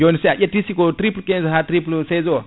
joni si a ƴetti siko triple 15 ha triple 16 o